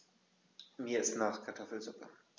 Mir ist nach Kartoffelsuppe.